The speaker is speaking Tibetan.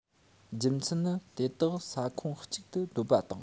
རྒྱུ མཚན ནི དེ དག ས ཁོངས གཅིག ཏུ སྡོད པ དང